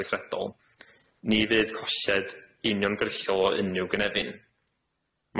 weithredol ni fydd colled uniongyrllol o unryw gynefin.